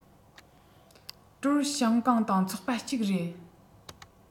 ཀྲོར ཤུའུ ཀང དང ཚོགས པ གཅིག རེད